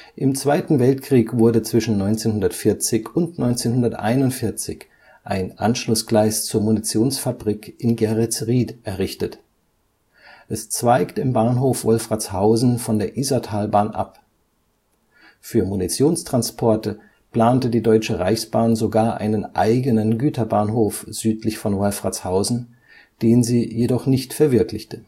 Im Zweiten Weltkrieg wurde zwischen 1940 und 1941 ein Anschlussgleis zur Munitionsfabrik in Geretsried errichtet. Es zweigt im Bahnhof Wolfratshausen von der Isartalbahn ab. Für Munitionstransporte plante die Deutsche Reichsbahn sogar einen eigenen Güterbahnhof südlich von Wolfratshausen, den sie jedoch nicht verwirklichte